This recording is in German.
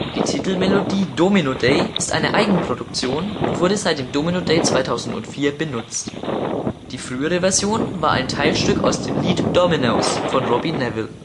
Die Titelmelodie Domino Day ist eine Eigenproduktion und wurde seit dem Domino Day 2004 benutzt. Die frühere Version war ein Teilstück aus dem Lied Dominoes von Robbie Nevil